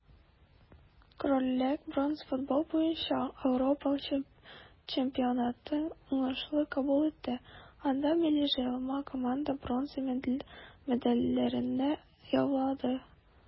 Корольлек бронза футбол буенча Ауропа чемпионатын уңышлы кабул итте, анда милли җыелма команда бронза медальләрне яулады.